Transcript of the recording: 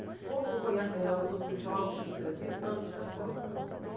vou acompanhar melhor os outros jogos do brasil antes da copa